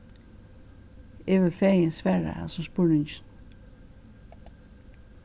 eg vil fegin svara hasum spurninginum